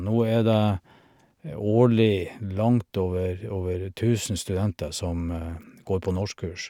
Nå er det årlig langt over over tusen studenter som går på norskkurs.